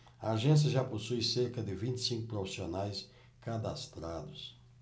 a agência já possui cerca de vinte e cinco profissionais cadastrados